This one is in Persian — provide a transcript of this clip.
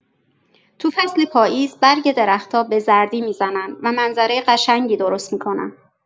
تو فصل پاییز برگ درختا به زردی می‌زنن و منظره قشنگی درست می‌کنن.